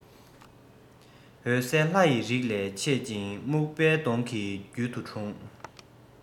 འོད གསལ ལྷ ཡི རིགས ལས མཆེད ཅིང སྨུག པོ གདོང གི རྒྱུད དུ འཁྲུངས